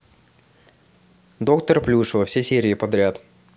доктор плюшева все серии подряд